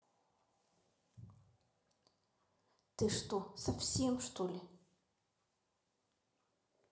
ты что совсем что ли